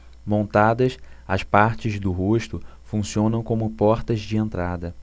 montadas as partes do rosto funcionam como portas de entrada